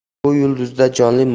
bu yulduzda jonli